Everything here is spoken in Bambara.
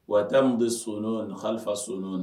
Wata min bɛ so hali so